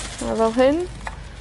A fel hyn